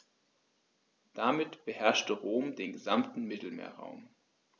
Damit beherrschte Rom den gesamten Mittelmeerraum.